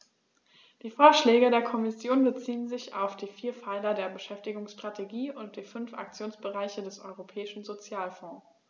Die Vorschläge der Kommission beziehen sich auf die vier Pfeiler der Beschäftigungsstrategie und die fünf Aktionsbereiche des Europäischen Sozialfonds.